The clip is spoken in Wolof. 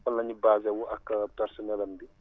fan la ñu basé wu ak personnel am bi